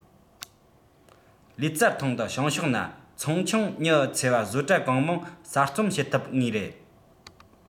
ལུས རྩལ ཐང དུ བྱང ཕྱོགས ན ཚོང ཆུང ཉི ཚེ བ བཟོ གྲྭ གང མང གསར རྩོམ བྱེད ཐུབ ངེས རེད